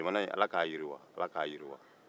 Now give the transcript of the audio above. ala ka jamana in yiriwa